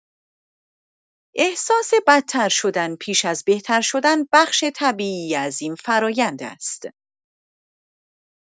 احساس بدترشدن پیش از بهترشدن، بخشی طبیعی از این فرایند است.